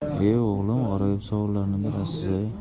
e o'g'lima g'aroyib savollarni berasiz